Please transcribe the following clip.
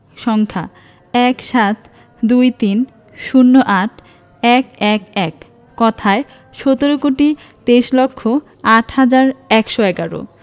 সংখ্যাঃ ১৭ ২৩ ০৮ ১১১ কথায়ঃ সতেরো কোটি তেইশ লক্ষ আট হাজার একশো এগারো